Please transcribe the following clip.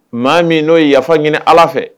Maa min no ye yafa ɲini Ala fɛ.